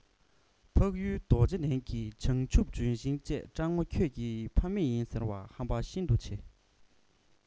འཕགས ཡུལ རྡོ རྗེ གདན གྱི བྱང ཆུབ ལྗོན ཤིང བཅས སྤྲང མོ ཁྱོད ཀྱི ཕ མེས ཡིན ཟེར བ ཧམ པ ཤིན ཏུ ཆེ